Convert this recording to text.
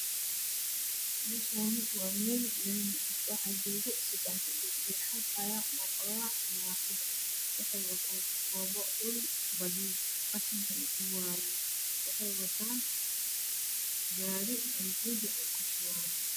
Meshaani waa .eel lami ah waxaa joogo sedax gabdhood wey haqayan waa qolada nadafada wexey watan iskobo badiil qashinka ayeey jidka ka gurayaan wexeey watan gari ey ciida ku shuban